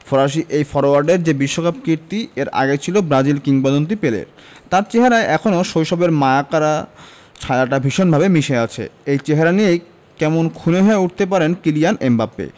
ফরাসি এই ফরোয়ার্ডের যে বিশ্বকাপ কীর্তি এর আগে ছিল ব্রাজিল কিংবদন্তি পেলের তাঁর চেহারায় এখনো শৈশবের মায়াকাড়া ছায়াটা ভীষণভাবে মিশে আছে এই চেহারা নিয়েই কেমন খুনে হয়ে উঠতে পারেন কিলিয়ান এমবাপ্পে